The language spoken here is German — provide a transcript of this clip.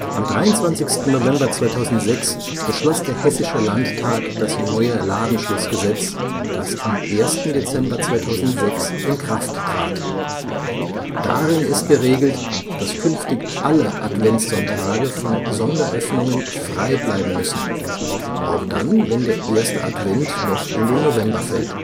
Am 23. November 2006 beschloss der Hessische Landtag das neue Ladenschlussgesetz, das am 1. Dezember 2006 in Kraft trat. Darin ist geregelt, dass künftig alle Adventssonntage von Sonderöffnungen frei bleiben müssen, auch dann, wenn der erste Advent noch in den November fällt